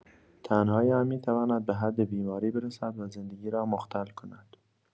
تنهایی هم می‌تواند به حد بیماری برسد و زندگی را مختل کند.